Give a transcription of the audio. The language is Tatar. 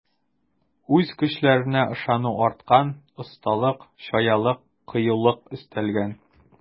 Үз көчләренә ышану арткан, осталык, чаялык, кыюлык өстәлгән.